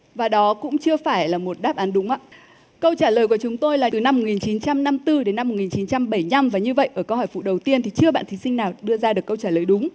và đó cũng chưa phải là một đáp án đúng ạ câu trả lời của chúng tôi là từ năm một nghìn chín trăm năm tư đến năm một nghìn chín trăm bảy nhăm và như vậy ở câu hỏi phụ đầu tiên thì chưa bạn thí sinh nào đưa ra được câu trả lời đúng